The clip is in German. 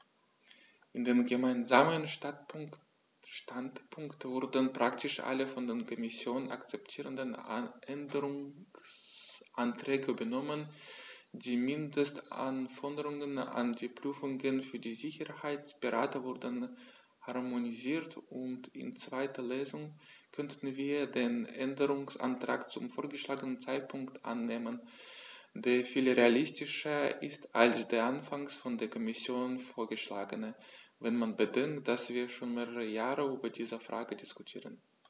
In den gemeinsamen Standpunkt wurden praktisch alle von der Kommission akzeptierten Änderungsanträge übernommen, die Mindestanforderungen an die Prüfungen für die Sicherheitsberater wurden harmonisiert, und in zweiter Lesung können wir den Änderungsantrag zum vorgeschlagenen Zeitpunkt annehmen, der viel realistischer ist als der anfangs von der Kommission vorgeschlagene, wenn man bedenkt, dass wir schon mehrere Jahre über diese Frage diskutieren.